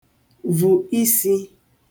vù isī